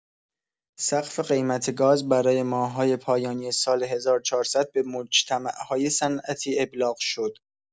سقف قیمت گاز برای ماه‌های پایانی سال ۱۴۰۰ به مجتمع‌های صنعتی ابلاغ شد.